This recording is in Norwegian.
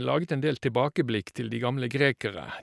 Laget en del tilbakeblikk til de gamle grekere.